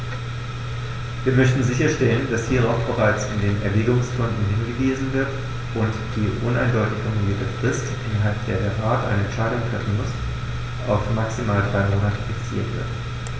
Wir möchten sicherstellen, dass hierauf bereits in den Erwägungsgründen hingewiesen wird und die uneindeutig formulierte Frist, innerhalb der der Rat eine Entscheidung treffen muss, auf maximal drei Monate fixiert wird.